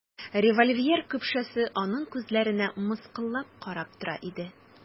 Револьвер көпшәсе аның күзләренә мыскыллап карап тора иде.